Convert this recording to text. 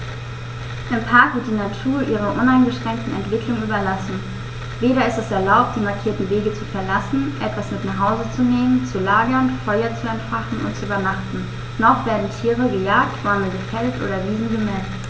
Im Park wird die Natur ihrer uneingeschränkten Entwicklung überlassen; weder ist es erlaubt, die markierten Wege zu verlassen, etwas mit nach Hause zu nehmen, zu lagern, Feuer zu entfachen und zu übernachten, noch werden Tiere gejagt, Bäume gefällt oder Wiesen gemäht.